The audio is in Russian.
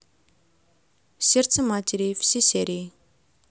сердце матери все серии